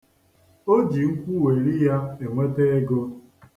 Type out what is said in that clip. O ji nkwugheri ya enweta ego.